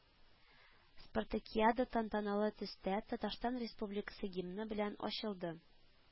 Спартакиада тантаналы төстә, Татарстан Республикасы гимны белән ачылды